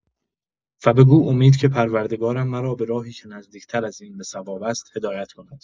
و بگو امید که پروردگارم مرا به راهی که نزدیک‌تر از این به صواب است، هدایت کند.